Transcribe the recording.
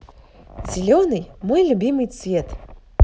зеленый мой любимый цвет